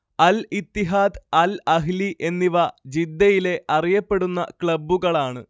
അൽ Ittihad Al Ahli എന്നിവ ജിദ്ദയിലെ അറിയപ്പെടുന്ന ക്ലബ്ബുകളാണ്